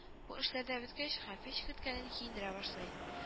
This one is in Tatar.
Бу эшләр дә беткәч, хәлфә Чикерткәне киендерә башлый